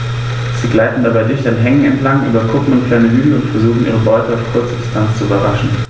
Sie gleiten dabei dicht an Hängen entlang, über Kuppen und kleine Hügel und versuchen ihre Beute auf kurze Distanz zu überraschen.